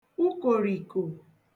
ukòrìkò